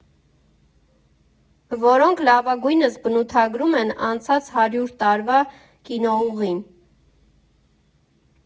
Որոնք լավագույնս բնութագրում են անցած հարյուր տարվա կինոուղին։